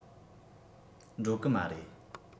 འགྲོ གི མ རེད